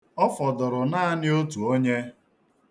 Ọ fọdụrụ naanị otu onye.